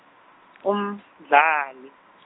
umdlali.